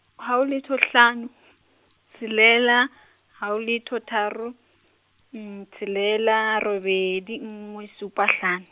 haho letho hlano , tshelela, haho letho tharo, tshelela robedi nngwe supa hlano.